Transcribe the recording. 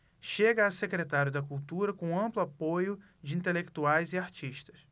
chega a secretário da cultura com amplo apoio de intelectuais e artistas